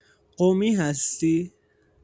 قمی هستی؟